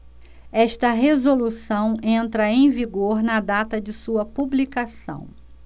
esta resolução entra em vigor na data de sua publicação